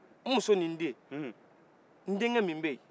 n muso nin den n denkɛ min b'e ye